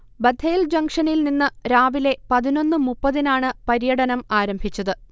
Bethel ജങ്ഷനിൽനിന്ന് രാവിലെ പതിനൊന്ന് മുപ്പത്തിനാണ് പര്യടനം ആരംഭിച്ചത്